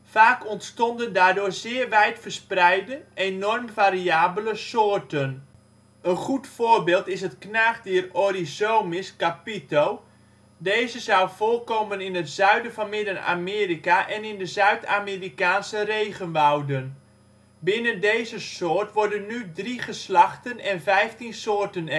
Vaak ontstonden daardoor zeer wijdverspreide, enorm variabele soorten. Een goed voorbeeld is het knaagdier Oryzomys capito. Deze zou voorkomen in het zuiden van Midden-Amerika en in de Zuid-Amerikaanse regenwouden. Binnen deze " soort " worden nu drie geslachten en vijftien soorten